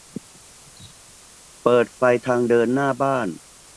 เปิดไฟทางเดินหน้าบ้าน